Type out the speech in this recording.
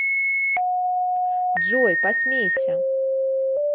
джой посмейся